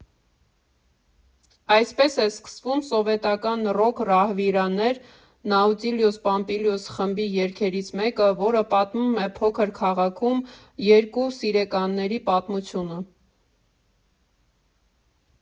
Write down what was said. Այսպես է սկսվում սովետական ռոք֊ռահվիրաներ Նաուտիլուս Պոմպիլիուս խմբի երգերից մեկը, որը պատմում է փոքր քաղաքում երկու սիրեկանների պատմությունը։